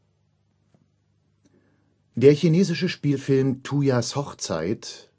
Der chinesische Spielfilm Tuyas Hochzeit